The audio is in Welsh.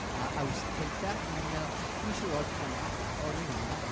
a Awst y cynta, a n- o'n i'n meddwl, dwi'n siŵr o'n i'n yno ac o'n i'n yno,